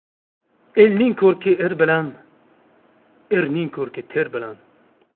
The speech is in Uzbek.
elning ko'rki er bilan erning ko'rki ter bilan